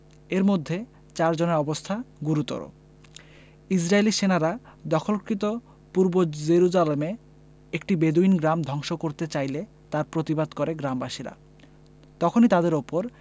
এর মধ্যে চার জনের অবস্থা গুরুত্বর ইসরাইলি সেনারা দখলীকৃত পূর্ব জেরুজালেমে একটি বেদুইন গ্রাম ধ্বংস করতে চাইলে তার প্রতিবাদ করে গ্রামবাসীরা তখনই তাদের ওপর